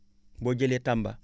boo jëlee Tamba